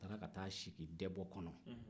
a taara ka t'a sigi debo kɔnɔ